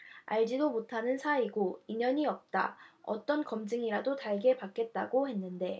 알지도 못하는 사이고 인연이 없다 어떤 검증이라도 달게 받겠다고 했는데